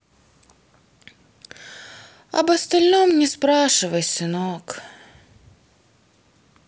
об остальном не спрашивай сынок